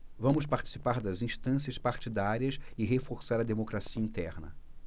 vamos participar das instâncias partidárias e reforçar a democracia interna